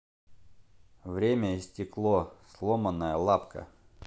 время и стекло сломанная лапка